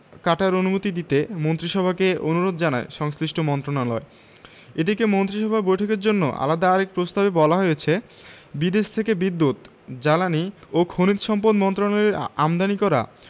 কাটার অনুমতি দিতে মন্ত্রিসভাকে অনুরোধ জানায় সংশ্লিষ্ট মন্ত্রণালয় এদিকে মন্ত্রিসভা বৈঠকের জন্য আলাদা আরেক প্রস্তাবে বলা হয়েছে বিদেশ থেকে বিদ্যুৎ জ্বালানি ও খনিজ সম্পদ মন্ত্রণালয়ের আমদানি করা